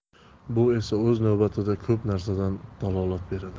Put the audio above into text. bu esa o'z navbatida ko'p narsadan dalolat beradi